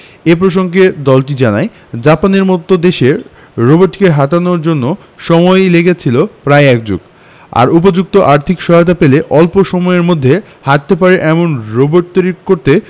এ প্রসঙ্গে দলটি জানায় জাপানের মতো দেশে রোবটকে হাঁটানোর জন্য সময় লেগেছিল প্রায় এক যুগ আর উপযুক্ত আর্থিক সহায়তা পেলে অল্প সময়ের মধ্যেই হাঁটতে পারে এমন রোবট তৈরি করতে